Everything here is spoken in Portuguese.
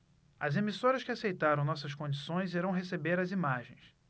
as emissoras que aceitaram nossas condições irão receber as imagens